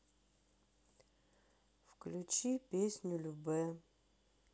включи песню любэ